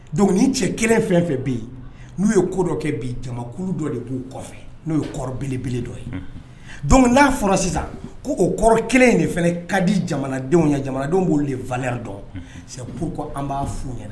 Dɔnku ni cɛ kelen fɛn fɛn bɛ yen n'u ye ko dɔ kɛ bi jamanakuru dɔ de b' kɔfɛ n'o yebelebele dɔ ye don n'a fɔra sisan ko o kɔrɔ kelen de fana ka di jamanadenw ye jamanadenw b'o vya dɔn p an b'a fu ɲɛna